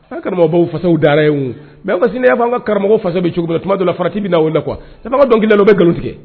An ŋa karamɔgɔbaw fasaw dara yen oo mais aw ka si n'i y'a fɔ anw ka karamɔgɔ fasa bɛ cogo tuma dɔ la farati bɛna olu la quoi caman ka dɔnkili la u bɛ be galon tigɛ